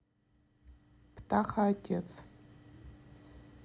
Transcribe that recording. птаха отец